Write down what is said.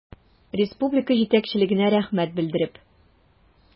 Республика җитәкчелегенә рәхмәт белдереп.